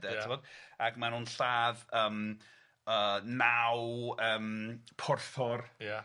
De ti'n wbod ac ma' nw'n lladd yym yy naw yym porthor. Ia.